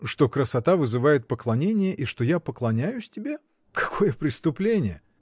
— Что красота вызывает поклонение и что я поклоняюсь тебе: какое преступление!